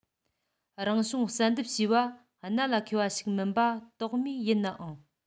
རང བྱུང བསལ འདེམས ཞེས པ གནད ལ འཁེལ བ ཞིག མིན པ དོགས མེད ཡིན ནའང